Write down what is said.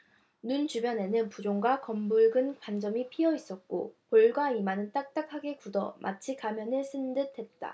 눈 주변에는 부종과 검붉은 반점이 피어 있고 볼과 이마는 딱딱하게 굳어 마치 가면을 쓴 듯했다